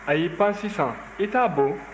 a y'i pan sisan i t'a bon